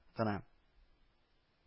Гына